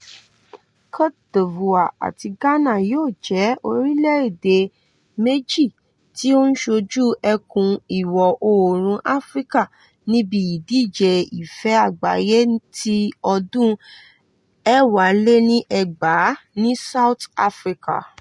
Côte d'Ivoire àti Ghana yóò jẹ́ orílẹ̀-èdè méjì tí ó ń ṣojú ẹkùn Ìwọ̀-oòrùn Áfíríkà níbi ìdíje Ife Àgbáyé ti ọdún 2010 ní South Africa.